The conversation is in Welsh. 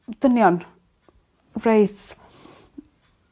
Dynion. Rhei s- ...